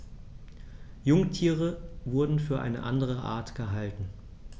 Jungtiere wurden für eine andere Art gehalten.